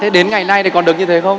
thế đến ngày nay còn được như thế không